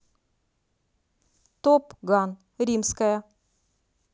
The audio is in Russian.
топ ган римская